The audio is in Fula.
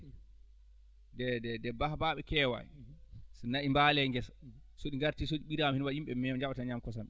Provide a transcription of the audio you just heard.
nde nde Ba baɓe keewaani so nayi mbaalii e ngesa so ɗi ngartii so ɗi ɓiraama hene waɗi yimɓe njaɓataa ñaamde kosam ɗam